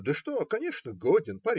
- Да что, конечно, годен!